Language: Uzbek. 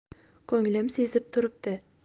ko'nglim sezib turibdi